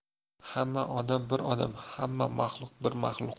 hamma odam bir odam hamma maxluq bir maxluq